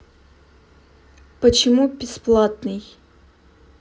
почему песплатный